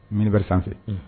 Mini barre sanfɛ fɛ.